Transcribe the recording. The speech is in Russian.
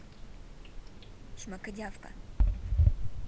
шмакодявка